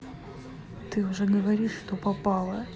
ты уже говоришь что попало